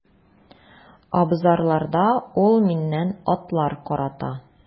Абзарларда ул миннән атлар карата.